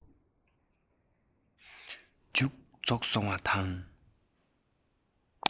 མཇུག རྫོགས སོང བ དང